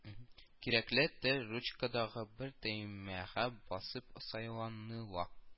Кирәкле тел ручкадагы бер төймәгә басып сайланыла